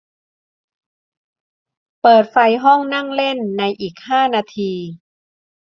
เปิดไฟห้องนั่งเล่นในอีกห้านาที